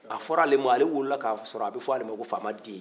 a fɔr'ale ma ale wolo k'a sɔrɔ a bɛ ka fɔ ale ma ko faama den